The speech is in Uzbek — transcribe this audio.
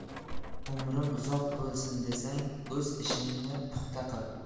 umrim uzun bo'lsin desang o'z ishingni puxta qil